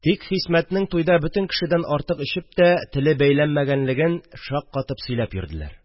Тик Хисмәтнең туйда бөтен кешедән артык эчеп тә теле бәйләнмәгәнен шаккатып сөйләп йөрделәр